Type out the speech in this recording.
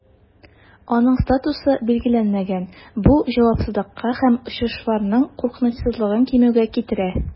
Аның статусы билгеләнмәгән, бу җавапсызлыкка һәм очышларның куркынычсызлыгын кимүгә китерә.